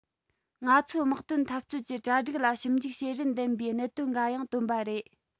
ང ཚོའི དམག དོན འཐབ རྩོད ཀྱི གྲ སྒྲིག ལ ཞིབ འཇུག བྱེད རིན ལྡན པའི གནད དོན འགའ ཡང བཏོན པ རེད